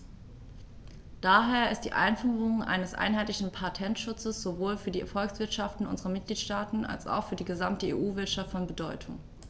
Daher ist die Einführung eines einheitlichen Patentschutzes sowohl für die Volkswirtschaften unserer Mitgliedstaaten als auch für die gesamte EU-Wirtschaft von Bedeutung.